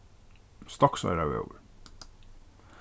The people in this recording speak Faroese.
stoksoyrarvegur